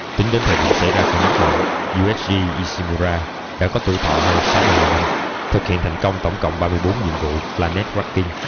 tính đến thời điểm xảy ra cơn ác mộng usg ishimura đã có tuổi thọ hơn năm thực hiện thành công tổng cộng nhiệm vụ planet cracking